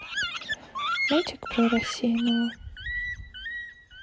мультик про рассеянного